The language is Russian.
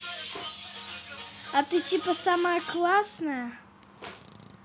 а ты типа самая классная